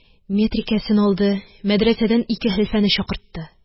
Метрикәсен алды, мәдрәсәдән ике хәлфәне чакыртты.